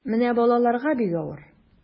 Менә балаларга бик авыр.